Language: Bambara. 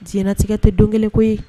Diɲɛnatigɛ tɛ don kelen ko ye